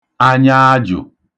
anyaajụ̀